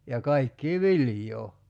ja kaikkia viljaa